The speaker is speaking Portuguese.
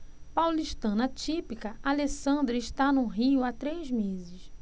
paulistana típica alessandra está no rio há três meses